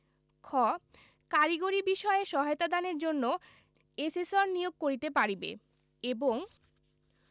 খ কারিগরি বিষয়ে সহায়তাদানের জন্য এসেসর নিয়োগ করিতে পারিবে এবং